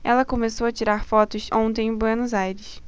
ela começou a tirar fotos ontem em buenos aires